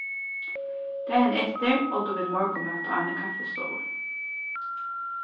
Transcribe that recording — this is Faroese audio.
dagin eftir ótu vit morgunmat á eini kaffistovu